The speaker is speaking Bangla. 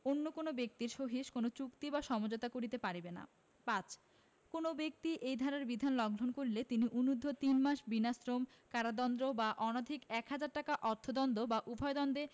অন্য কোন ব্যক্তির সহিত কোনো চুক্তি বা সমঝোতা করিতে পারিবেন না ৫ কোন ব্যক্তি এই ধারার বিধান লংঘন করিলে তিনি অনুর্ধ্ব তিনমাস বিনাশ্রম কারদন্ড বা অনধিক এক হাজার টাকা অর্থদন্ড বা উভয় দন্ডে